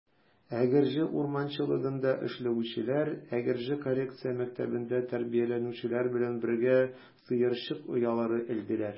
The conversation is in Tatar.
Әгерҗе урманчылыгында эшләүчеләр Әгерҗе коррекция мәктәбендә тәрбияләнүчеләр белән бергә сыерчык оялары элделәр.